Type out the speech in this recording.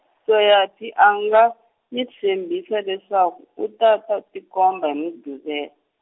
Soyaphi a nga, mi tshembisa leswaku u ta ta tikomba hi Muqhive-.